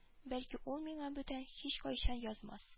Бәлки ул миңа бүтән һичкайчан язмас